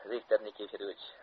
viktor nikiforovich